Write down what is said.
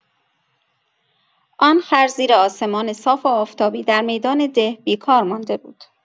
آن خر زیر آسمان صاف و آفتابی، در میدان ده، بیکار مانده بود.